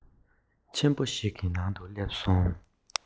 ཆེན པོ ཞིག གི ནང དུ སླེབས སོང